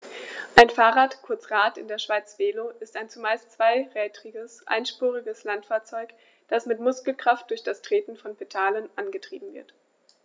Ein Fahrrad, kurz Rad, in der Schweiz Velo, ist ein zumeist zweirädriges einspuriges Landfahrzeug, das mit Muskelkraft durch das Treten von Pedalen angetrieben wird.